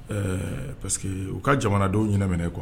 Ɛɛ parce que u ka jamanadenw ɲɛnaminɛ kuwa